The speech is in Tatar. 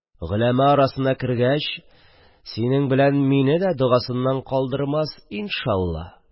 Голәма арасына кергәч, синең белән мине дә догасыннан калдырмас, иншалла!